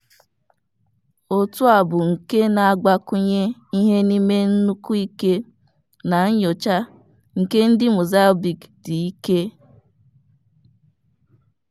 Otu a bụ nke na-agbakwụnye ihe n'ime nnukwu ike na nnyocha nke ndị Mozambique dị ike.